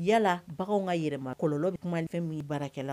Yalala baganw ka yɛlɛma kɔlɔlɔ bɛ